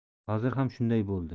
hozir ham shunday bo'ldi